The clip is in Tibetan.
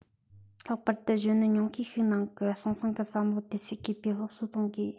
ལྷག པར དུ གཞོན ནུ ཉུང ཤས ཤིག ནང གི ཟང ཟིང གི བསམ བློ དེ སེལ དགོས པའི སློབ གསོ གཏོང དགོས